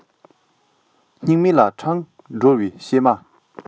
སྙིང མེད ལ འཕྲང སྒྲོལ བའི སྐྱེལ མ